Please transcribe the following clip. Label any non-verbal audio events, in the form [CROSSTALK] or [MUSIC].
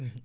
[HESITATION] [HESITATION]